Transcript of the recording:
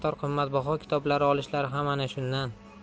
qimmatbaho kitoblar olishlari ham ana shundan